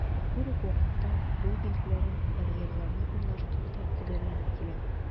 Бер үк вакытта, юл билгеләрен, барьерларны урнаштыру да төгәлләнеп килә.